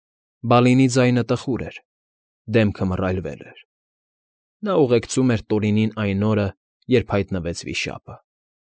Բալինի ձայնը տխուր էր, դեմքը մռայլվել էր. նա ուղեկցում էր Տորինին այն օրը, երբ հայտնվեց վիշապը։